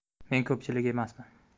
men ko'pchilik emasman